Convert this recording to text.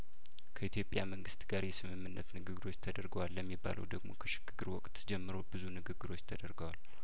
ከኢትዮጵያ መንግስት ጋር የስምምነት ንግግሮች ተደርገዋል ለሚባለው ደግሞ ከሽግግር ወቅት ጀምሮ ብዙ ንግግሮች ተደርገዋል